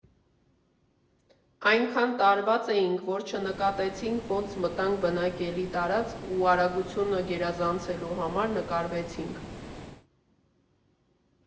Այնքան տարված էինք, որ չնկատեցինք, ոնց մտանք բնակելի տարածք ու արագությունը գերազանցելու համար նկարվեցինք։